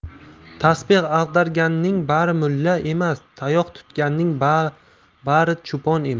tasbeh ag'darganning bari mulla emas tayoq tutganning bail cho'pon emas